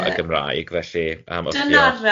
y Gymraeg, felly